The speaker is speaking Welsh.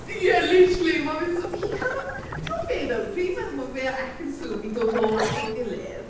Ie literally ma' fe s- he cannot... Tibod be ddo? Dwi'n meddwl bo' fe a Ekin-Su yn mynd i dod nôl at ei gilydd.